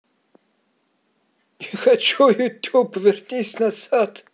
не хочу ютуб вернись назад